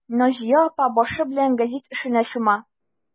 Наҗия апа башы белән гәзит эшенә чума.